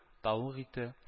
Тавык ите